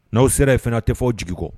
N'aw sera ye fana tɛ fɔ jigi kɔ